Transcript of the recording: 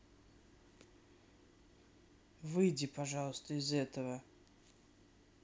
выйди пожалуйста из этого